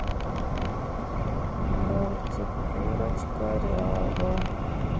мультик курочка ряба